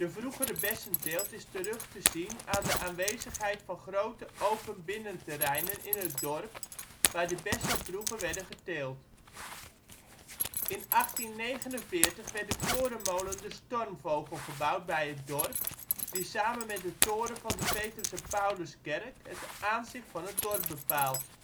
vroegere bessenteelt is terug te zien aan de aanwezigheid van grote open binnenterreinen in het dorp, waar de bessen vroeger werden geteeld. In 1849 werd de korenmolen De Stormvogel gebouwd bij het dorp, die samen met de toren van de Petrus en Pauluskerk het aanzicht van het dorp bepaalt